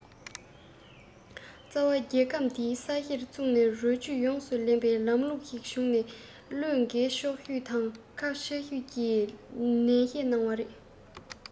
རྩ བ རྒྱལ ཁབ དེ གའི ས གཞིར ཚུགས ནས རོ བཅུད ཡོངས སུ ལེན པའི ལམ ལུགས ཤིག བྱུང ན བློས འགེལ ཆོག ཤོས དང མཁོ ཆེ ཤོས རེད ཅེས ནན བཤད གནང བ རེད